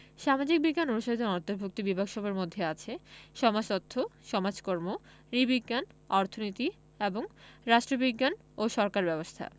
সামাজিক বিজ্ঞান অনুষদের অন্তর্ভুক্ত বিভাগসমূহের মধ্যে আছে সমাজতত্ত্ব সমাজকর্ম নৃবিজ্ঞান অর্থনীতি এবং রাষ্ট্রবিজ্ঞান ও সরকার ব্যবস্থা